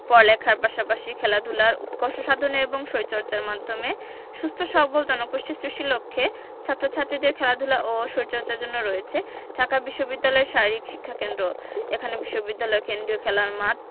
পড়ালেখার পাশাপাশি খেলাধুলার উৎকর্ষ সাধনে এবং শরীরচর্চার মাধ্যমে সুস্থ সবল জনগোষ্ঠী সৃষ্টির লক্ষ্যে ছাত্র ছাত্রীদের খেলাধুলা ও শরীরচর্চার জন্য রয়েছে ঢাকা বিশ্ববিদ্যালয়ে শারীরিক শিক্ষাকেন্দ্র এখানে বিশ্ববিদ্যালয় কেন্দ্রীয় খেলার মাঠ